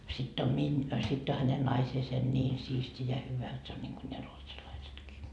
sitten on - sitten on hänen naisensa niin siisti ja hyvä että se on niin kuin ne ruotsalaisetkin